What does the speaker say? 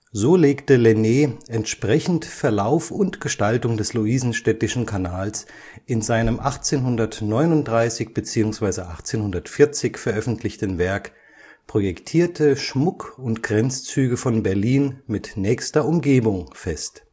So legte Lenné entsprechend Verlauf und Gestaltung des Luisenstädtischen Kanals in seinem 1839 / 1840 veröffentlichten Werk Projektirte Schmuck und Grenzzüge von Berlin mit nächster Umgebung fest